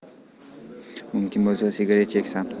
mumkin bo'lsa sigaret cheksam